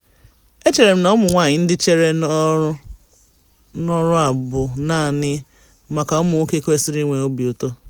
E chere m na ụmụnwaanyị ndị chere na ọrụ a bụ naanị maka ụmụnwoke kwesịrị inwe obi ụtọ.